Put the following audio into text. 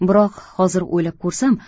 biroq hozir o'ylab ko'rsam